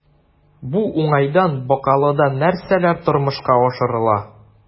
Бу уңайдан Бакалыда нәрсәләр тормышка ашырыла?